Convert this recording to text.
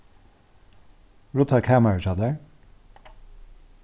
rudda kamarið hjá tær